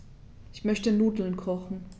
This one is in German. Ich möchte Nudeln kochen.